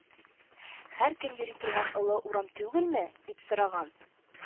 Һәркем йөри торган олы урам түгелме? — дип сораган.